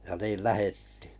ja niin lähdettiin